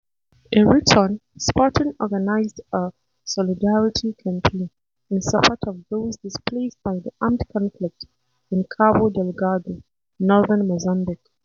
In return, Sporting organized a solidarity campaign in support of those displaced by the armed conflict in Cabo Delgado, northern Mozambique.